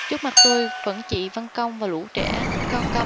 trước mặt tôi vẫn chị văn công và lũ trẻ con câm